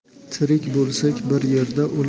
tirik bo'lsak bir yerda